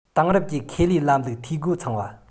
དེང རབས ཀྱི ཁེ ལས ལམ ལུགས འཐུས སྒོ ཚང བ